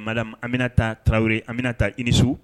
madame Aminata Tarawele, Aminata, i ni su!